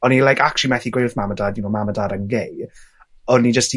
O'n i like actually methu gweud wrth mad a dad you know mam an' dad I'm gay o'n i jyst 'di